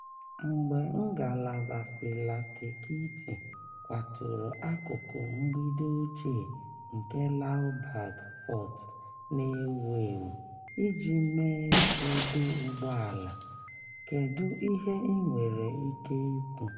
Mgbe ngalaba philatetiiki kwaturu akụkụ mgbidi ochie nke Lalbagh Fort na-ewu ewu iji mee ọdọ ụgbọala, kedu ihe i nwere ike ikwu?